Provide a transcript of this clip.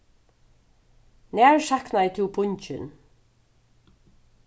nær saknaði tú pungin